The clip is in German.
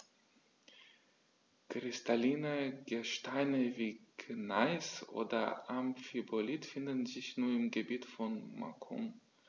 Kristalline Gesteine wie Gneis oder Amphibolit finden sich nur im Gebiet von Macun.